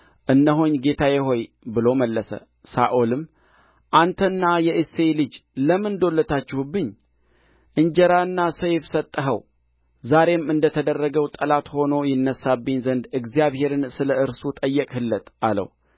እነሆኝ ጌታዬ ሆይ ብሎ መለሰ ሳኦልም አንተና የእሴይ ልጅ ለምን ዶለታችሁብኝ እንጀራና ሰይፍ ሰጠኸው ዛሬም እንደ ተደረገው ጠላት ሆኖ ይነሣብኝ ዘንድ እግዚአብሔርን ስለ እርሱ ጠየቅህለት አለው